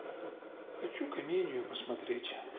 хочу комедию посмотреть